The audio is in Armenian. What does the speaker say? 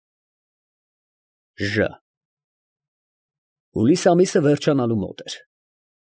Ժ Հուլիս ամիսը վերջանալու մոտ էր։